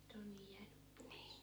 se on niin jäänyt pois